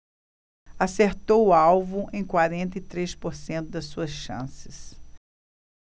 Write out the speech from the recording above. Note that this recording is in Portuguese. acertou o alvo em quarenta e três por cento das suas chances